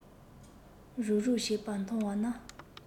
རུབ རུབ བྱེད པ མཐོང བ ན